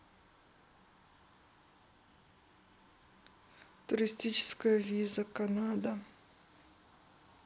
туристическая виза канада